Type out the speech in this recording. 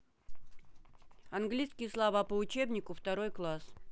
английские слова по учебнику второй класс